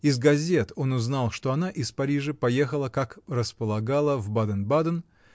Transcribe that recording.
Из газет он узнал, что она из Парижа поехала, как располагала, в Баден-Баден